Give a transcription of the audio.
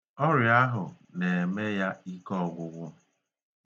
Ọrịa ahụ na-eme ya ike ọgwụgwụ.